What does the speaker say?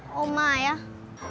ô mai á